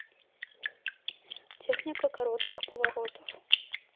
техника коротких поворотов